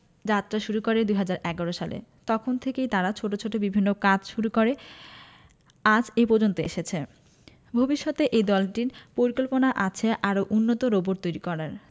যাত্রা শুরু করে ২০১১ সালে তখন থেকেই তারা ছোট ছোট বিভিন্ন কাজ শুরু করে আজ এ পর্যন্ত এসেছেন ভবিষ্যতে এই দলটির পরিকল্পনা আছে আরও উন্নত রোবট তৈরি করার